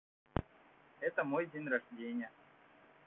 это мой день рождения